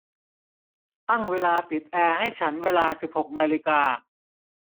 ตั้งเวลาปิดแอร์ให้ฉันเวลาสิบหกนาฬิกา